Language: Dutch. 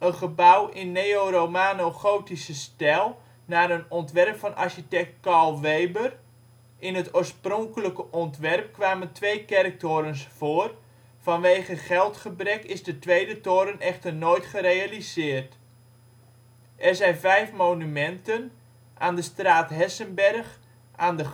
gebouw in neo-romanogotische stijl naar een ontwerp van architect Carl Weber. In het oorspronkelijke ontwerp kwamen twee kerktorens voor; vanwege geldgebrek is de tweede toren echter nooit gerealiseerd. Er zijn vijf monumenten. Aan de straat Hessenberg. Aan de